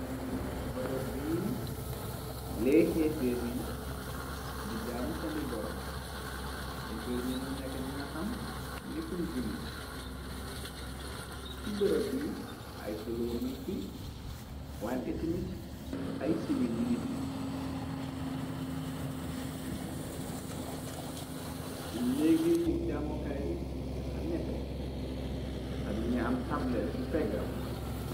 Bërëb biy lee xeeffer yi di jaamu sani boroom efer ñu noo neka ñanga xam nekkun jullit ci bërëb bi ay fuloor min fi waan iti mit ay sibi ñi ngi fi neggi jamokaay bi dafa nete ta mi ngi am table ci pegam.